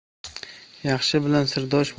yaxshi bilan sirdosh